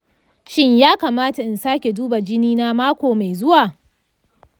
shin ya kamata in sake duba jini na mako mai zuwa?